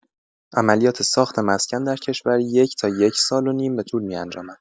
عملیات ساخت مسکن در کشور یک تا یک سال و نیم به طول می‌انجامد.